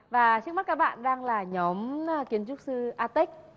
và trước mắt các bạn đang là nhóm a kiến trúc sư a tếch